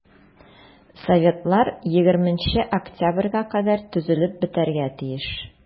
Советлар 20 октябрьгә кадәр төзелеп бетәргә тиеш.